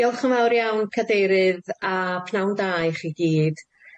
Diolch yn fawr iawn cadeirydd a pnawn da i chi gyd.